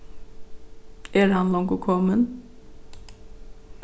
er hann longu komin